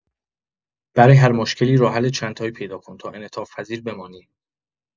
برای هر مشکلی راه‌حل چندتایی پیدا کن تا انعطاف‌پذیر بمانی.